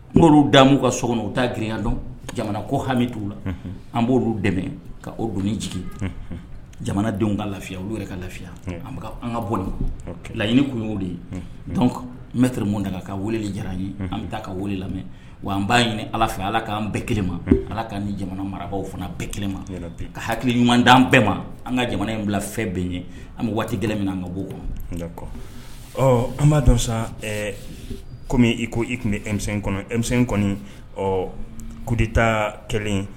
N'olu damu ka kɔnɔ u taa grinya dɔn jamana ko hami t'u la an b'olu dɛmɛ ka o doni jigi jamanadenw ka lafiya olu yɛrɛ ka lafiya an bɛka an ka bɔ laɲiniini kun ye de bɛr mun da ka weele diyara ye an bɛ taa ka weele lamɛn wa an b'a ɲini ala fɛ ala k'an bɛɛ kelenma ala ka nin jamana marabagaw fana bɛɛ kelen ma ka hakili ɲumantan bɛɛ ma an ka jamana in bila fɛn bɛ ye an bɛ waati gɛlɛn min anan ka bɔo kɔ an b'a dɔnsa kɔmi i ko e tun bɛ e e kɔni ɔ kudita kelen